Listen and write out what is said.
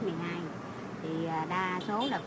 thì đa số là